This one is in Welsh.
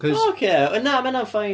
Cos... Ocê, na ma' hynna'n fine.